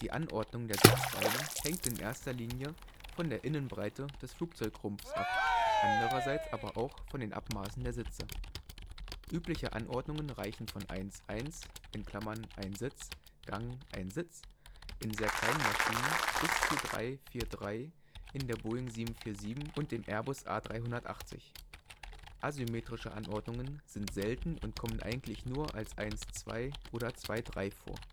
Anordnung der Sitzreihen hängt in erster Linie von der Innenbreite des Flugzeugrumpfs ab, andererseits aber auch von den Abmaßen der Sitze. Übliche Anordnungen reichen von 1-1 (ein Sitz, Gang, ein Sitz) in sehr kleinen Maschinen bis zu 3-4-3 in der Boeing 747 und dem Airbus A380. Asymmetrische Anordnungen sind selten und kommen eigentlich nur als 1-2 oder 2-3 vor